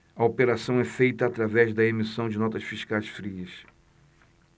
a operação é feita através da emissão de notas fiscais frias